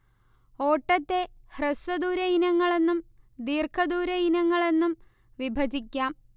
ഓട്ടത്തെ ഹ്രസ്വ ദൂര ഇനങ്ങളെന്നും ദീർഘദൂര ഇനങ്ങളെന്നും വിഭജിക്കാം